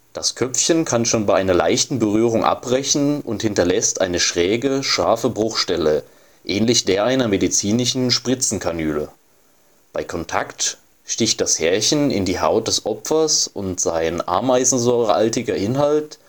Das Köpfchen kann schon bei einer leichten Berührung abbrechen und hinterlässt eine schräge, scharfe Bruchstelle, ähnlich der einer medizinischen Spritzenkanüle. Bei Kontakt sticht das Härchen in die Haut des Opfers und sein ameisensäurehaltiger Inhalt